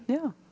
ja.